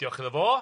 Diolch iddo fo.